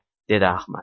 dedi ahmad